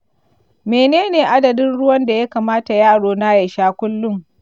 menene adadin ruwan da ya kamata yaro na ya sha kullum?